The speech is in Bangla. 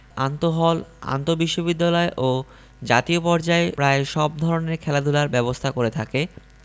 আন্তঃহল আন্তঃবিশ্ববিদ্যালয় ও জাতীয় পর্যায়ে প্রায় সব ধরনের খেলাধুলার ব্যবস্থা করে থাকে